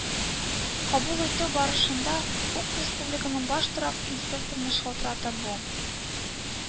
Артка бакма, даһием, идеал һаман да алда ул;